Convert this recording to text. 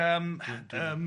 Yym yym.